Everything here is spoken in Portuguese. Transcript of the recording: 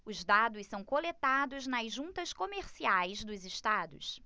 os dados são coletados nas juntas comerciais dos estados